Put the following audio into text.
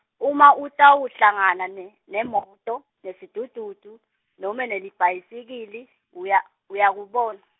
uma utawuhlangana ne nemoto, nesidududu, noma nelibhayisikili, uya- uyakubona.